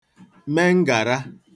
me ngàra